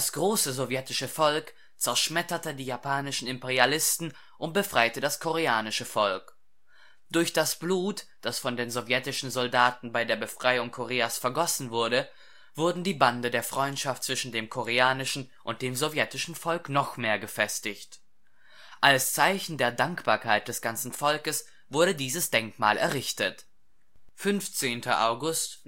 große sowjetische Volk zerschmetterte die japanischen Imperialisten und befreite das koreanische Volk. Durch das Blut, das von den sowjetischen Soldaten bei der Befreiung Koreas vergossen wurde, wurden die Bande der Freundschaft zwischen dem koreanischen und dem sowjetischen Volk noch mehr gefestigt. Als Zeichen der Dankbarkeit des ganzen Volkes wurde dieses Denkmal errichtet. 15. August